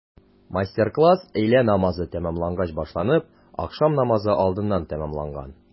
Мастер-класс өйлә намазы тәмамлангач башланып, ахшам намазы алдыннан тәмамланган.